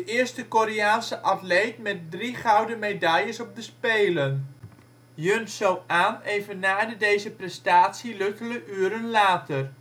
eerste Koreaanse atleet met drie gouden medailles op de Spelen. Hyun-Soo Ahn evenaarde deze prestatie luttele uren later